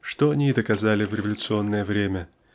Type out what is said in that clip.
что они и доказали в революционное время